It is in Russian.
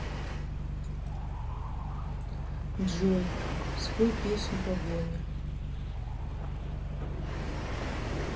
джой спой песню погоня